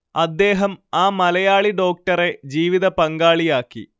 അദ്ദേഹം ആ മലയാളി ഡോക്ടറെ ജീവിതപങ്കാളിയാക്കി